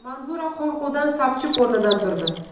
manzura qo'rquvdan sapchib o'rnidan turdi